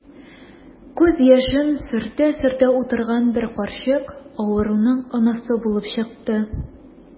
Күз яшен сөртә-сөртә утырган бер карчык авыруның анасы булып чыкты.